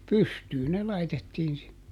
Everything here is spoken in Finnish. pystyyn ne laitettiin sinne